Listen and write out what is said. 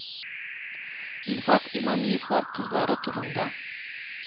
Илфат Имамиевлар кызлары турында.